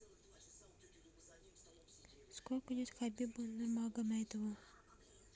сколько лет хабибу нурмагомедову